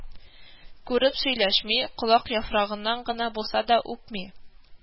Күреп сөйләшми, колак яфрагыннан гына булса да үпми,